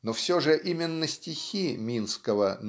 Но все же именно стихи Минского